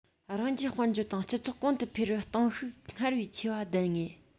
རང རྒྱལ དཔལ འབྱོར དང སྤྱི ཚོགས གོང དུ འཕེལ བར རྟིང ཤུགས སྔར བས ཆེ བ ལྡན ངེས